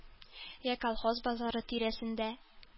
Йә колхоз базары тирәсендә